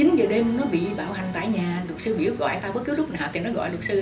chín giờ đêm nó bị bạo hành tại nhà luật sư biểu gọi tao bất cứ lúc nào thì nó gọi luật sư